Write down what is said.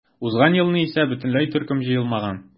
Узган елны исә бөтенләй төркем җыелмаган.